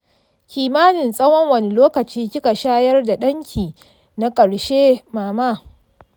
kimanin tsawon wani lokaci kika shayar da ɗanki na ƙarshe mama?